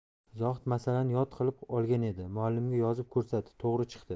zohid masalani yod qilib olgan edi muallimiga yozib ko'rsatdi to'g'ri chiqdi